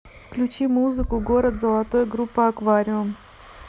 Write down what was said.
включи музыку город золотой группа аквариум